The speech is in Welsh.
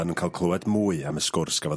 ...yn ca'l clwed mwy am y sgwrs gafodd...